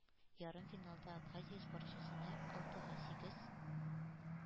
Ярымфиналда абхазия спортчысына алтыга сигез